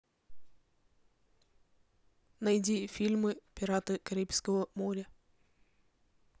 найди фильмы пираты карибского моря